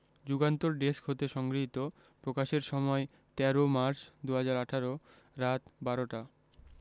Jugantor desk হতে সংগৃহীত প্রকাশের সময় ১৩ মার্চ ২০১৮ রাত ১২:০০ টা